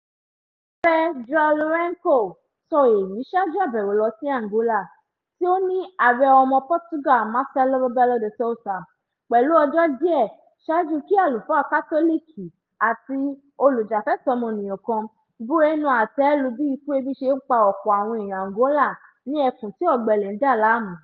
Ààrẹ João Lourenço sọ èyí ṣáájú àbẹ̀wò lọ sí Angola tí ó ní Ààrẹ ọmọ Portugal Marcelo Rebelo de Sousa, pẹ̀lú ọjọ́ díẹ̀ ṣáájú kí àlùfáà Kátólìkì àti olùjàfẹ́tọ̀ọ́ ọmọnìyàn kan bu ẹnu àtẹ́ lu bí ikú ebi ṣe pa ọ̀pọ̀ àwọn èèyàn Angola ní ẹkùn tí ọ̀gbẹlẹ̀ ń dà láàmú.